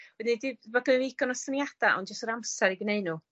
Wedyn dy-... Ma' gynno fi digon o syniada ond' jyst yr amser i gneud nw.